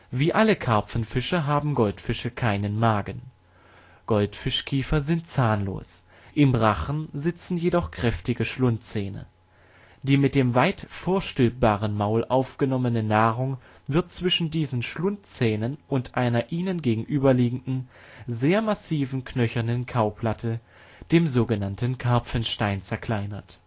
Wie alle Karpfenfische haben Goldfische keinen Magen. Goldfischkiefer sind zahnlos. Im Rachen sitzen jedoch kräftige Schlundzähne. Die mit dem weit vorstülpbaren Maul aufgenommene Nahrung wird zwischen diesen Schlundzähnen und einer ihnen gegenüber liegenden, sehr massiven knöchernen Kauplatte, dem sogenannten Karpfenstein, zerkleinert